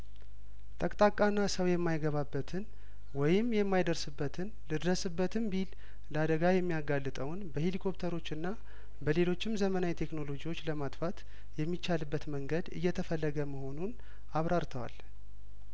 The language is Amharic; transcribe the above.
ጠቅጣቃና ሰው የማይገባበትን ወይም የማይደርስበትን ልድረስበትም ቢል ለአደጋ የሚያጋልጠውን በሂሊኮፕተሮችና በሌሎችም ዘመናዊ ቴክኖሎጂዎች ለማጥፋት የሚቻልበት መንገድ እየተፈለገ መሆኑን አብራርተዋል